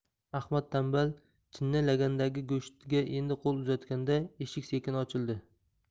ahmad tanbal chinni lagandagi go'shtga endi qo'l uzatganda eshik sekin ochildi